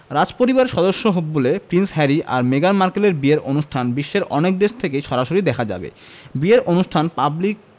রাজপরিবারের সদস্য বলে প্রিন্স হ্যারি আর মেগান মার্কেলের বিয়ের অনুষ্ঠান বিশ্বের অনেক দেশ থেকেই সরাসরি দেখা যাবে বিয়ের অনুষ্ঠান পাবলিক